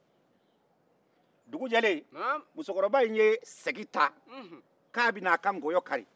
dugu jɛlen musokɔrɔba in ye segin ta k'a bɛ na a ka nkɔyɔ kari